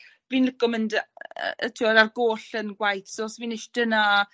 fi'n lico mynd yy t'wod ar gôll yn gwaith so os fi'n ishte 'na